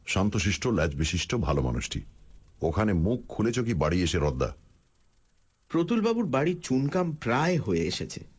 শান্তশিষ্ট লেজবিশিষ্ট ভালমানুষটি ওখানে মুখ খুলেছ কি বাড়ি এসে রদ্দা প্রতুলবাবুর বাড়ির চুনকাম প্রায় হয়ে এসেছে